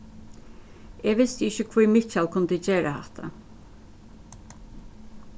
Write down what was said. eg visti ikki hví mikkjal ikki kundi gera hatta